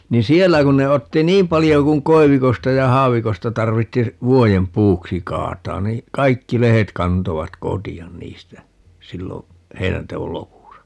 niin siellä kun ne otti niin paljon kuin koivikosta ja haavikosta tarvitsi vuoden puuksi kaataa niin kaikki lehdet kantoivat kotia niistä silloin heinänteon lopussa